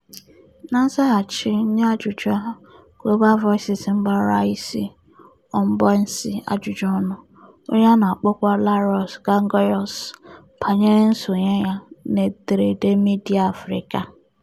Na nzaghachi nye ajụjụ a, Global Voices gbara Réassi Ouabonzi ajụjụọnụ, onye a na-akpọkwa Lareus Gangoueus banyere nsonyere ya n'ederede midịa Afrịka.